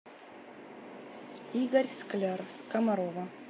игорь скляр комарово